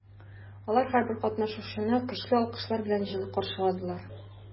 Алар һәрбер катнашучыны көчле алкышлар белән җылы каршыладылар.